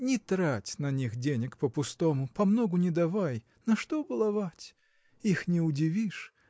Не трать на них денег по-пустому, помногу не давай. На что баловать? их не удивишь.